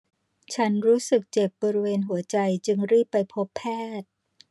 ฉันรู้สึกเจ็บบริเวณหัวใจจึงรีบไปพบแพทย์